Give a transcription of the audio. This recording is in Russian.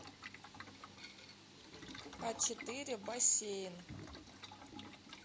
а четыре бассейн